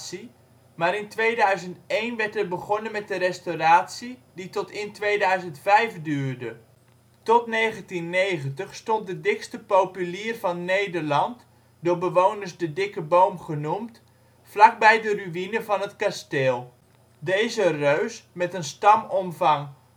maar in 2001 werd er begonnen met de restauratie die tot in 2005 duurde. Tot 1990 stond de dikste populier van Nederland (door bewoners " de dikke boom " genoemd) vlakbij de ruïne van het kasteel. Deze reus, met een stamomvang